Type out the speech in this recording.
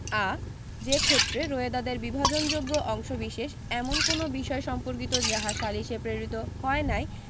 আ যেক্ষেত্রে রোয়েদাদের বিভাজনযোগ্য অংশবিশেষ এমন কোন বিষয় সম্পর্কিত যাহা সালিসে প্রেরিত হয় নাই